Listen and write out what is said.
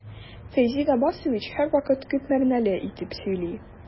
Фәйзи Габбасович һәрвакыт күп мәгънәле итеп сөйли.